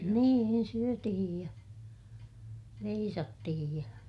niin syötiin ja veisattiin ja